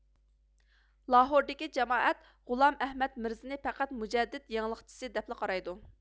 لاھوردىكى جامائەت غۇلام ئەھمەد مىرزىنى پەقەت مۇجەدىد يېڭىلىقچىسى دەپلا قارايدۇ